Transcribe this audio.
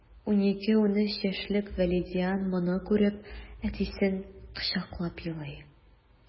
12-13 яшьлек вәлидиан моны күреп, әтисен кочаклап елый...